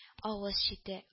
Авыз чите